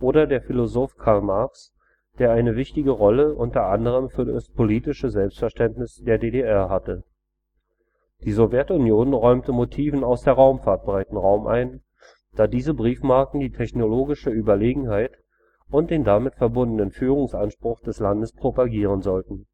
oder der Philosoph Karl Marx, der eine wichtige Rolle unter anderem für das politische Selbstverständnis der DDR hatte. Die Sowjetunion räumte Motiven aus der Raumfahrt breiten Raum ein, da diese Briefmarken die technologische Überlegenheit und den damit verbundenen Führungsanspruch des Landes propagieren sollten